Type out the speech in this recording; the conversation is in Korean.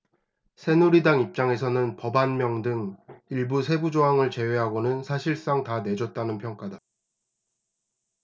새누리당 입장에서는 법안명 등 일부 세부조항을 제외하고는 사실상 다 내줬다는 평가다